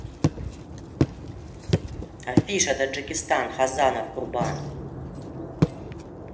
афиша таджикистан хазанов курбан